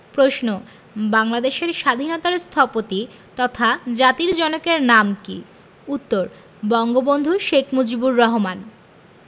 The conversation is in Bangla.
প্রশ্ন বাংলাদেশের স্বাধীনতার স্থপতি তথা জাতির জনকের নাম কী উত্তর বঙ্গবন্ধু শেখ মুজিবুর রহমান